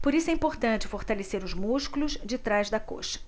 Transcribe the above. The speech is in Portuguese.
por isso é importante fortalecer os músculos de trás da coxa